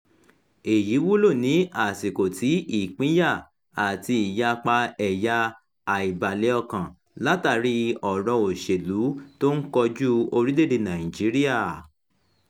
Èyí wúlò ní àsìkò tí ìpínyà àti ìyapa ẹ̀yà, àìbalẹ̀-ọkàn látàrí ọ̀rọ̀ òṣèlú tó ń kojúu orílẹ̀-èdèe Nàìjíríà.